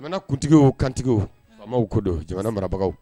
Jamana kuntigi kantigi faama ko don jamana marabagaw